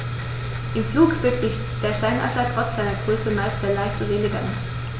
Im Flug wirkt der Steinadler trotz seiner Größe meist sehr leicht und elegant.